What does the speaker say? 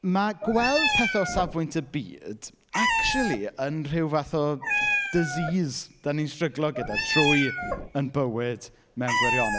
Ma' gweld pethe o safbwynt y byd acshyli yn rhyw fath o disease dan ni'n stryglo gyda trwy ein bywyd mewn gwirionedd.